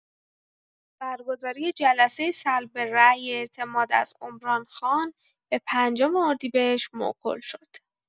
برگزاری جلسه سلب رای اعتماد از عمران خان به پنجم اردیبهشت موکول شد.